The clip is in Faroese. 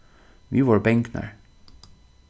vit vóru bangnar